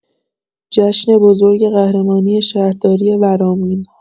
جشن بزرگ قهرمانی شهرداری ورامین